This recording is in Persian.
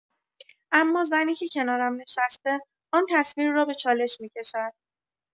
اما زنی که کنارم نشسته، آن تصویر را به چالش می‌کشد.